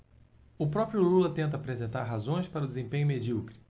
o próprio lula tenta apresentar razões para o desempenho medíocre